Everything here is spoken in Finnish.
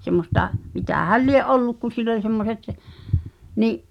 semmoista mitähän lie ollut kun sillä oli semmoiset niin